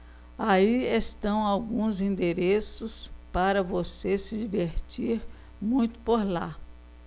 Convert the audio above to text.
aí estão alguns endereços para você se divertir muito por lá